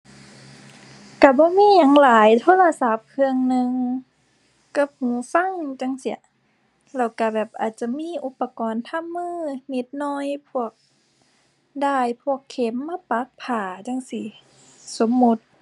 ก็บ่มีหยังหลายโทรศัพท์เครื่องหนึ่งกับหูฟังจั่งซี้ แล้วก็แบบอาจจะมีอุปกรณ์ทำมือนิดหน่อย พวกด้าย พวกเข็ม มาปักผ้าจั่งซี้ สมมุติ